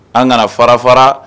An nana fara fara